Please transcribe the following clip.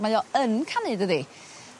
...mae o yn canu dydi?